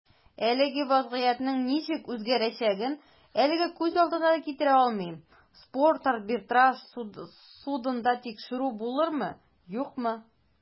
Әлеге вәзгыятьнең ничек үзгәрәчәген әлегә күз алдына да китерә алмыйм - спорт арбитраж судында тикшерү булырмы, юкмы.